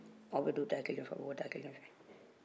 aw bɛ don dakelen fɛ aw bɛ bɔ dakelen fɛ